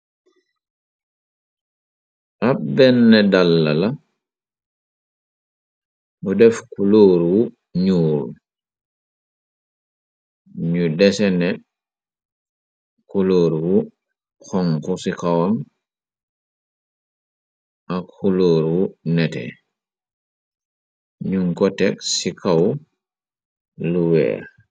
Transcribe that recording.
Ab benne dalla labu def ku lóor wu ñuul ñu dese ne ku lóor wu xonxu ci xawam ak xu lóor wu nete ñun ko teg ci kaw lu weex.